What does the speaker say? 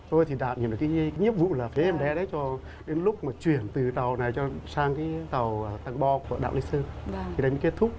tôi thì đã nhận được cái nghĩa vụ là bế em bé đấy cho đến lúc mà chuyển từ tàu này sang sang cái tàu tặng bo của đảo lý sơn cho đến khi kết thúc